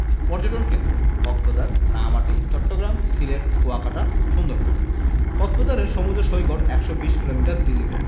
পর্যটন কেন্দ্রঃ কক্সবাজার রাঙ্গামাটি চট্টগ্রাম সিলেট কুয়াকাটা সুন্দরবন কক্সবাজারের সমুদ্র সৈকত ১২০ কিলোমিটার দীর্ঘ